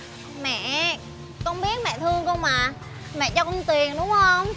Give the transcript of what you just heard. mẹ con biết mẹ thương con mà mẹ cho con tiền đúng không